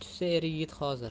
tushsa er yigit hozir